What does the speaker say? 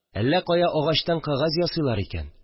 Әллә кая агачтан кәгазь ясыйлар икән